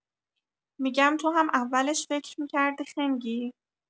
می‌گم تو هم اولش فکر می‌کردی خنگی؟